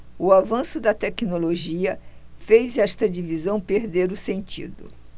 o avanço da tecnologia fez esta divisão perder o sentido